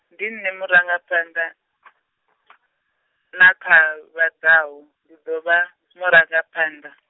ndi nṋe murangaphanḓa , nakha vha ḓaho, ndi ḓo vha, muranga phanḓa.